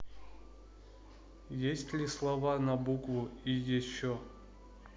есть ли слова на букву и еще